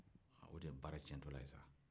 o de ye baara tiɲɛtɔla ye sisan